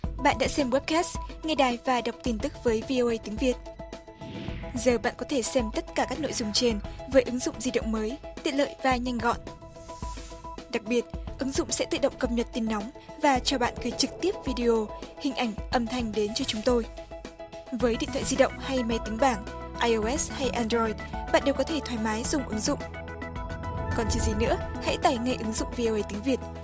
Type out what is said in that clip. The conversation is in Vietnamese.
bạn đã xem goép két nghe đài và đọc tin tức với vi ô ây tiếng việt giờ bạn có thể xem tất cả các nội dung trên với ứng dụng di động mới tiện lợi và nhanh gọn đặc biệt ứng dụng sẽ tự động cập nhật tin nóng và cho bạn coi trực tiếp vi đi ô hình ảnh âm thanh đến cho chúng tôi với điện thoại di động hay máy tính bảng ai ô ét hay an roi bạn đều có thể thoải mái dùng ứng dụng còn chờ gì nữa hãy tải ngay ứng dụng vi ô ây tiếng việt